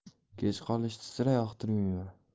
kech qolishni sira yoqtirmayman